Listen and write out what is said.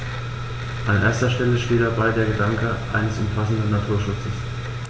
An erster Stelle steht dabei der Gedanke eines umfassenden Naturschutzes.